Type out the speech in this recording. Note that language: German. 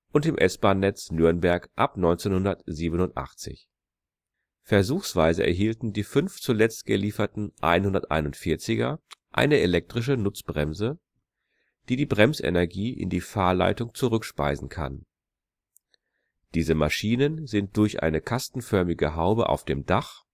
und im S-Bahn-Netz Nürnberg ab 1987. Versuchsweise erhielten die fünf zuletzt gelieferten 141er eine elektrische Nutzbremse, die die Bremsenergie in die Fahrleitung zurückspeisen kann. Diese Maschinen sind durch eine kastenförmige Haube auf dem Dach